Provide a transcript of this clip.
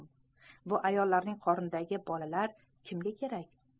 bu ayollarning qornidagi bolalar kimga kerak